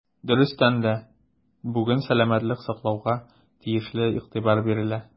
Дөрестән дә, бүген сәламәтлек саклауга тиешле игътибар бирелә.